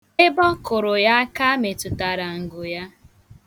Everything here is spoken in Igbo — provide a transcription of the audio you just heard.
Ebe ọ kụrụ ya aka metụtara ngụ ya.